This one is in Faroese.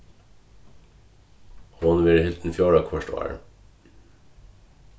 hon verður hildin fjórða hvørt ár